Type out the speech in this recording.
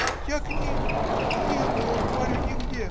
я к ним, не был он, говорю, нигде.